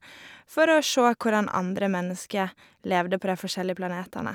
For å sjå hvordan andre mennesker levde på de forskjellige planetene.